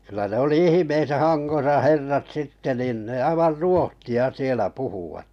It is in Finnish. kyllä ne oli ihmeissään Hangossa herrat sitten niin ne aivan ruotsia siellä puhuivat